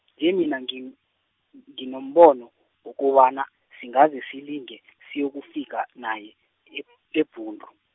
nje mina ngin-, n- nginombono, wokobana, singaze silinge siyokufika naye, ebh-, eBhundu.